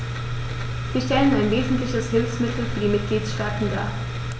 Sie stellen ein wesentliches Hilfsmittel für die Mitgliedstaaten dar.